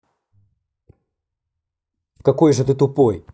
какой же ты тупой